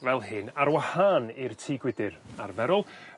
fel hyn ar wahân i'r tŷ gwydyr arferol